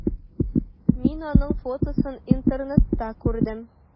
Мин аның фотосын интернетта күрдем.